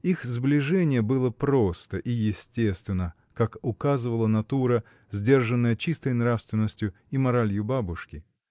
Их сближение было просто и естественно, как указывала натура, сдержанная чистой нравственностью и моралью бабушки.